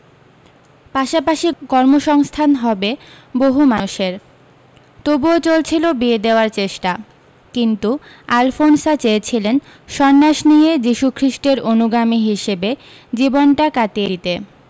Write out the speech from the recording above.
পাশাপাশি কর্মসংস্থান হবে বহু মানুষের তবুও চলছিল বিয়ে দেওয়ার চেষ্টা কিন্তু আলফোনসা চেয়েছিলেন সন্ন্যাস নিয়ে যীশু খ্রীষ্টের অনুগামী হিসেবে জীবনটা কাটিয়ে দিতে